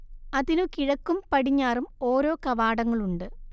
അതിനു കിഴക്കും പടിഞ്ഞാറും ഓരോ കവാടങ്ങളുണ്ട്